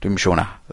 Dwi'm isio wnna.